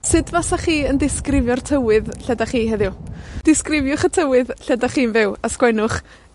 Sud fasach chi yn disgrifio'r tywydd lle 'dach chi heddiw? Disgrifiwch y tywydd lle 'dach chi'n fyw, a sgwennwch